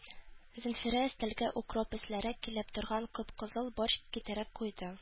Зәнфирә өстәлгә укроп исләре килеп торган кып-кызыл борщ китереп куйды.